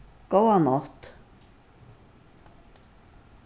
góða nátt